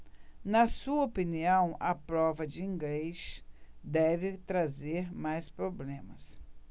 na sua opinião a prova de inglês deve trazer mais problemas